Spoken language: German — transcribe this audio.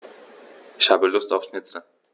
Ich habe Lust auf Schnitzel.